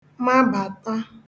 mabàta